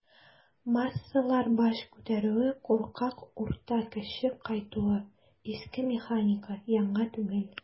"массалар баш күтәрүе", куркак "урта кеше" кайтуы - иске механика, яңа түгел.